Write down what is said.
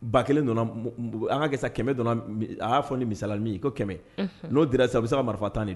Ba kelen donna, an k'a kɛ sa kɛmɛ donna mi a y'a fɔ ni misala min ye ko kɛmɛ, unhun, n'o dira sisan o bɛ se ka marifa tan de